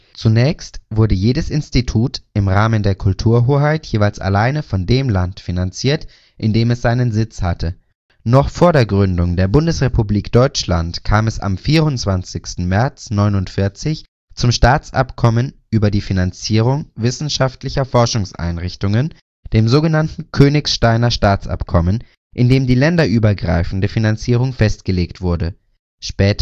Zunächst wurde jedes Institut im Rahmen der Kulturhoheit jeweils alleine von dem Land finanziert, in dem es seinen Sitz hatte. Noch vor der Gründung der Bundesrepublik Deutschland kam es am 24. März 1949 zum „ Staatsabkommen über die Finanzierung wissenschaftlicher Forschungseinrichtungen “, dem sogenannten Königsteiner Staatsabkommen, in dem die länderübergreifende Finanzierung festgelegt wurde. Später